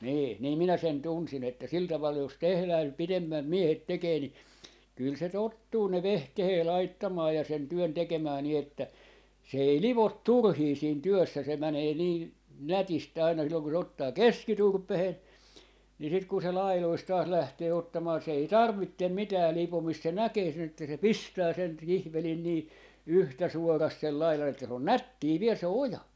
niin niin minä sen tunsin että sillä tavalla jos tehdään nyt pidemmät miehet tekee niin kyllä se tottuu ne vehkeet laittamaan ja sen työn tekemään niin että se ei livo turhia siinä työssä se menee niin nätisti aina silloin kun se ottaa keskiturpeen niin sitten kun se laidoista taas lähtee ottamaan se ei tarvitse mitään lipomista se näkee sen että se pistää sen kihvelin niin yhtä suorasti sen laidan että se on nättiä vielä se oja